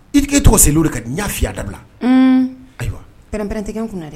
Ipi e tɔgɔ seliolu ka'a lafiya dabila ayiwa prɛnprɛn tɛkɛ kun na dɛ